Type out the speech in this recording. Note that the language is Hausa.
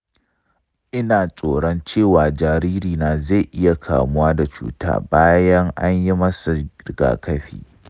ina tsoron cewa jaririna zai iya kamuwa da cuta bayan an yi masa rigakafi.